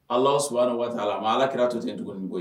Ala su ni waati la ma ala kira to ten cogo ni ye